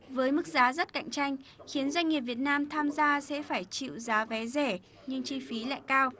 với mức giá rất cạnh tranh khiến doanh nghiệp việt nam tham gia sẽ phải chịu giá vé rẻ nhưng chi phí lại cao